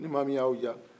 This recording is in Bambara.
ni maa min y'a ca